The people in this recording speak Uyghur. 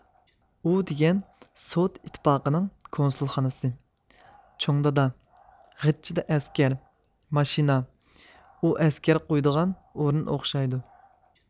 ئۇ دېگەن سوۋېت ئىتتىپاقىنىڭ كونسۇلخانىسى چوڭ دادا غىچچىدە ئەسكەر ماشىنا ئۇ ئەسكەر قويىدىغان ئورۇن ئوخشايدۇ